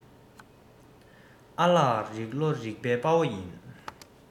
ཨ ལག རིག ལོ རིག པའི དཔའ བོ ཡིན